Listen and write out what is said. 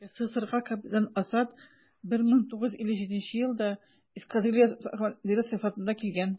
СССРга капитан Асад 1957 елда эскадрилья командиры сыйфатында килгән.